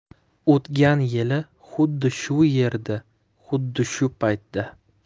o'tgan yili xuddi shu yerda xuddi shu paytda